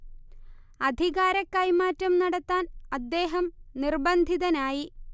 അധികാര കൈമാറ്റം നടത്താൻ അദ്ദേഹം നിർബന്ധിതനായി